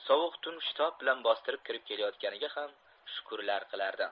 sovuq tun shitob bilan bostirib kirib kelayotganiga ham shukurlar qilardi